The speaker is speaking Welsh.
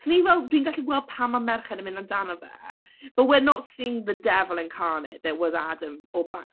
So o'n ni fel dwi'n gallu gweld pan mae merched yn mynd amdano fe but we're not seeing the devil incarnate that was Adam o'r blaen.